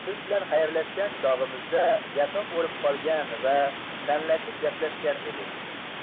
siz bilan xayrlashgan chog'imizda yaqin bolib qolgan va sanlashib gaplashgan edik